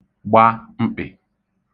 gba mkpị̀